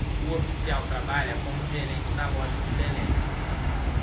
o oficial trabalha como gerente da loja de lelé